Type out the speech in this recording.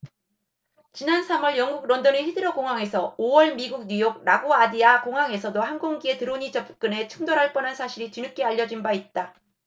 지난 삼 월 영국 런던의 히드로공항에서 오 월 미국 뉴욕 라구아디아공항에서도 항공기에 드론이 접근해 충돌할 뻔한 사실이 뒤늦게 알려진 바 있다